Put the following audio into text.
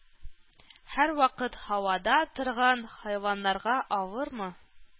Һәрвакыт һавада торган хайваннарга авырмы?